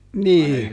niin